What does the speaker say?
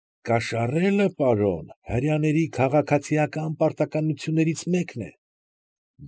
Կաշառելը, պարոն, հրեաների քաղաքացիական պարտականություններից մեկն է։